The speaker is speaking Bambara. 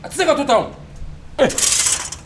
A tɛ se ka to tan